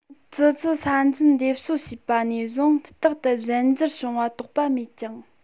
ཙི ཙི ས འཛིན འདེབས གསོ བྱས པ ནས བཟུང རྟག ཏུ གཞན འགྱུར བྱུང བ དོགས པ མེད ཅིང